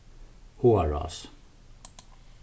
áarrás